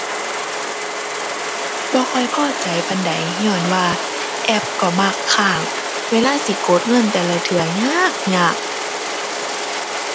บ่ค่อยพอใจปานใด ญ้อนว่าแอปก็มักค้าง เวลาสิกดเงินแต่ละเทื่อยากยาก